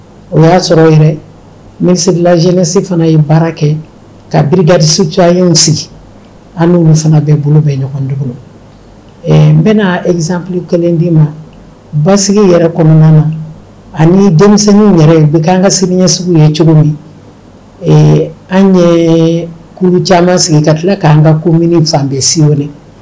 O y'a sɔrɔ yɛrɛ lajɛsi fana ye baara kɛ kadi su cogoya yew sigi an fana bɛɛ bolo bɛɛ ɲɔgɔntigiw n bɛna zp kelen' ma ba yɛrɛ kɔnɔna na ani denmisɛnninw yɛrɛ bɛ' an ka selisigi ye cogo min an ye caman sigi ka tila k'an ka ko mini fan bɛ si